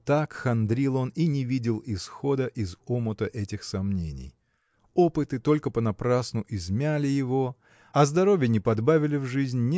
Так хандрил он и не видел исхода из омута этих сомнений. Опыты только понапрасну измяли его а здоровья не подбавили в жизнь